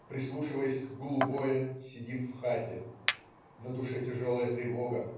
Прислушиваясь к гулу боя, сидим в хате. На душе тяжелая тревога.